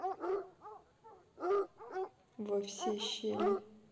выебли во все щели